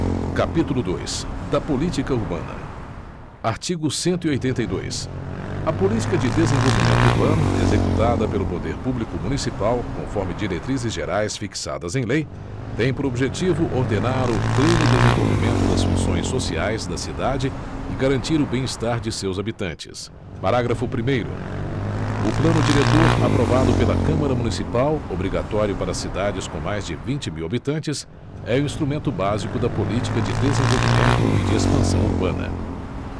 capítulo dois da política urbana artigo cento e oitenta e dois a política de desenvolvimento urbano executada pelo poder público municipal conforme diretrizes gerais fixadas em lei tem por objetivo ordenar o pleno desenvolvimento das funções sociais da cidade e garantir o bem estar de seus habitantes parágrafo primeiro o plano diretor aprovado pela câmara municipal obrigatório para cidades com mais de vinte mil habitantes é o instrumento básico da política de desenvolvimento e de expansão urbana